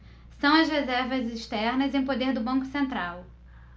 são as reservas externas em poder do banco central